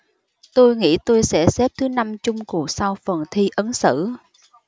tôi nghĩ tôi sẽ xếp thứ năm chung cuộc sau phần thi ứng xử